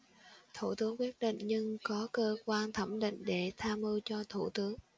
thủ tướng quyết định nhưng có cơ quan thẩm định để tham mưu cho thủ tướng